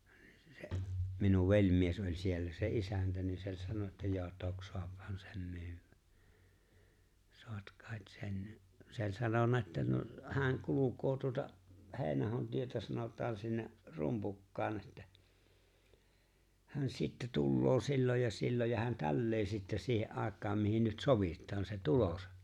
se minun velimies oli siellä se isäntä niin se oli sanonut että jo toki saahan sen myydä saa kai sen se oli sanonut että no hän kulkee tuota Heinäahon tietä sanotaan sinne Rumpukkaan että hän sitten tulee silloin ja silloin ja hän tällä lailla sitten siihen aikaan mihin nyt sovitaan sen tulonsa